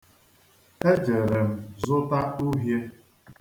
E jere m zụta uhie.